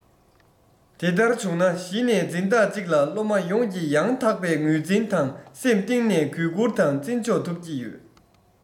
དེ ལྟར བྱུང ན གཞི ནས འཛིན བདག ཅིག ལ སློབ མ ཡོངས ཀྱི ཡང དག པའི ངོས འཛིན དང སེམས གཏིང ནས གུས བཀུར དང རྩི འཇོག ཐོབ ཀྱི ཡོད